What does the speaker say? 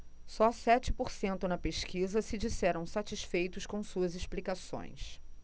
só sete por cento na pesquisa se disseram satisfeitos com suas explicações